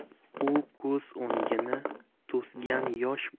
u ko'z o'ngini to'sgan yosh